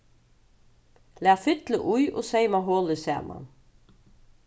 lat fyllu í og seyma holið saman